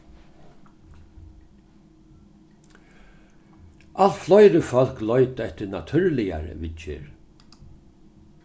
alt fleiri fólk leita eftir natúrligari viðgerð